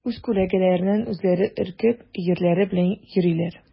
Үз күләгәләреннән үзләре өркеп, өерләре белән йөриләр.